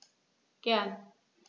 Gern.